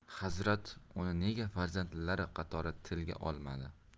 hazrat uni nega farzandlari qatori tilga olmadi